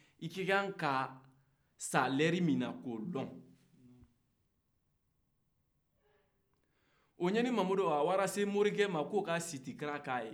ikakan ka sa lɛri min k'o dɔn o ɲani mamadu o a tara se morikɛ ma k'o ka sitikalan k'a ye